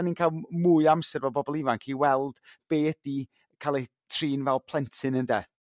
dan ni'n ca'l m- mwy o amser efo bobl ifanc i weld be' ydy cael eu trin fel plentyn ynde?